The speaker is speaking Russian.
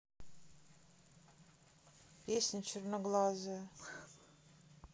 песня черноглазая